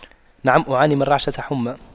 نعم أعاني من رعشة حمى